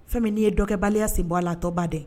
Fɛn min n'i ye dɔgɔkɛbaliya sen bɔ a la, a tɔ b'a dɛn.